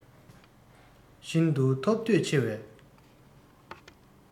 ཤིན ཏུ ཐོབ འདོད ཆེ བས